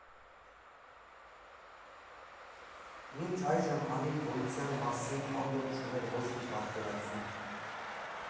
Մինչ այժմ Անիի գոյության մասին Անդոն չուներ ոչ մի պատկերացում։